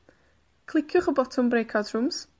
Cliciwch y botwm Brakeout Rooms.